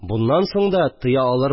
Буннан соң да тыя